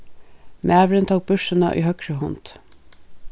maðurin tók byrsuna í høgru hond